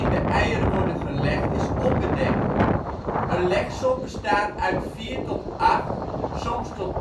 de eieren worden gelegd is onbedekt. Een legsel bestaat uit vier tot acht (soms tot